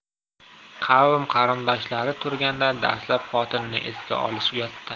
qavm qarindoshlari turganda dastlab xotinini esga olish uyatda